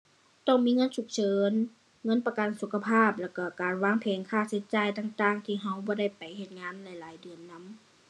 ต้องมีเงินฉุกเฉิน เงินประกันสุขภาพ แล้วก็การวางแผนค่าใช้จ่ายต่างต่างที่ใช้บ่ได้ไปเฮ็ดงานหลายหลายเดือนนำ